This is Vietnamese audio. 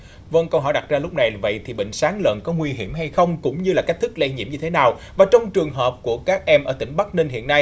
vâng câu hỏi đặt ra lúc này vậy thì bệnh sán lợn có nguy hiểm hay không cũng như là cách thức lây nhiễm như thế nào và trong trường hợp của các em ở tỉnh bắc ninh hiện nay